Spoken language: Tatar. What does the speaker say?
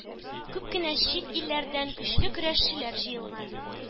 Күп кенә чит илләрдән көчле көрәшчеләр җыелган.